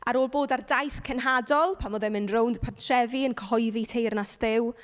Ar ôl bod ar daith cenhadol, pan oedd e'n mynd rownd pentrefi yn cyhoeddi teyrnas Dduw.